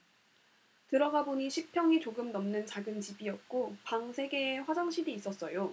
들어가보니 십 평이 조금 넘는 작은 집이었고 방 세 개에 화장실이 있었어요